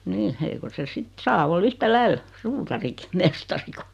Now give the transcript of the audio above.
niin eikö se sitten saa olla yhtä lailla suutarikin mestari kuin